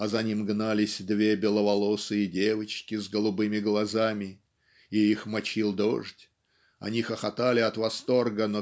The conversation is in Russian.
а за ним гнались две беловолосые девочки с голубыми глазами и их мочил дождь они хохотали от восторга